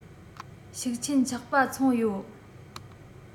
ཤུགས ཆེན ཆག པ མཚོན ཡོད